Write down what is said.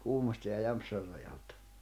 Kuhmoisten ja Jämsän rajalta